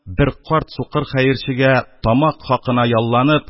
Бер карт сукыр хәерчегә тамак хакына ялланып,